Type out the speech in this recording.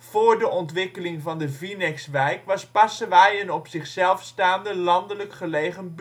Voor de ontwikkeling van de VINEX-wijk was Passewaaij een op zichzelf staande landelijk gelegen